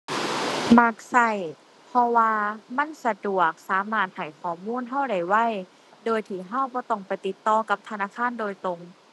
มักใช้ เพราะว่ามันสะดวก สามารถให้ข้อมูลใช้ได้ไว โดยที่ใช้บ่ต้องไปติดต่อกับธนาคารโดยตรง